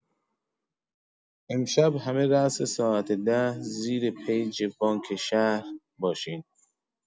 امشب همه راس ساعت ده، زیر پیج بانک شهر باشین